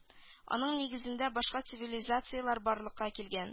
Аның нигезендә башка цивилизацияләр барлыкка килгән